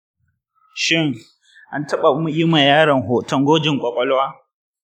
shin an taba yima yaron gwajin hoton kwakwalwa?